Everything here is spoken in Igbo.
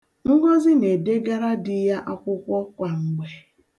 Ngọzị na-edegara di ya akwụkwọ kwa mgbe.